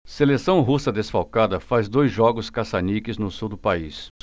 seleção russa desfalcada faz dois jogos caça-níqueis no sul do país